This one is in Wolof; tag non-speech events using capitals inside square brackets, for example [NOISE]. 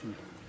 [HESITATION] [HESITATION]